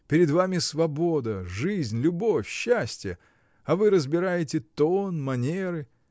Перед вами свобода, жизнь, любовь, счастье, — а вы разбираете тон, манеры!